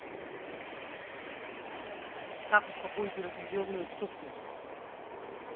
как успокоить разъяренную тетку